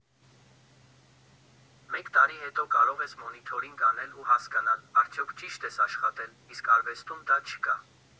Մեկ տարի հետո կարող ես մոնիթորինգ անել ու հասկանալ՝ արդյոք ճի՞շտ ես աշխատել, իսկ արվեստում դա չկա։